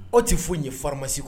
O tɛ foyi ye fara masi kɔnɔ